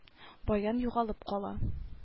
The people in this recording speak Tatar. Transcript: Баян югалып кала